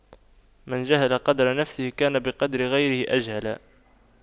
من جهل قدر نفسه كان بقدر غيره أجهل